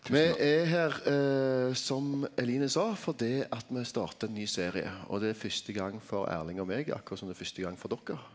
me er her som Eline sa for det at me startar ein ny serie, og det er fyrste gong for Erling og meg akkurat som det er fyrste gong for dokker.